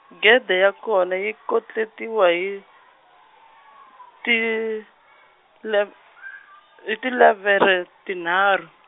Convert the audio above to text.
gede ya kona yi kotletiwa hi, tile- hi tilevhere- tinharhu.